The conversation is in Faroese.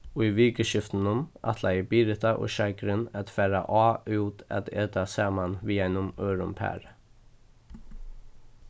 í vikuskiftinum ætlaði birita og sjeikurin at fara á út at eta saman við einum øðrum pari